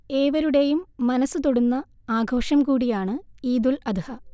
ഏവരുടെയും മനസ്സ് തൊടുന്ന ആഘോഷം കൂടിയാണ് ഈദുൽ അദ്ഹ